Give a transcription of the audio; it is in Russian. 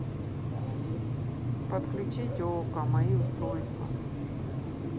подключить окко мои устройства